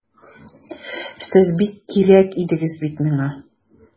Сез бик кирәк идегез бит миңа!